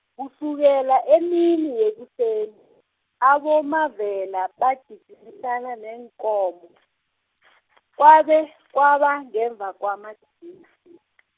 kusukela emini yekuseni , aboMavela bagijimisane neenkomo , kwabe kwaba ngemva kwama- .